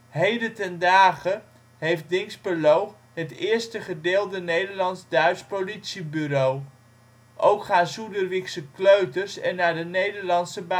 Heden ten dage heeft Dinxperlo het eerste gedeeld Nederlands-Duits politiebureau. Ook gaan Suderwickse kleuters er naar de Nederlandse basisschool